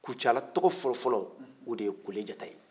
kucala tɔgɔ fɔlɔ-fɔlɔ o de ye kulejata ye